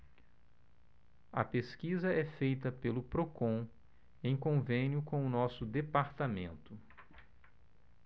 a pesquisa é feita pelo procon em convênio com o diese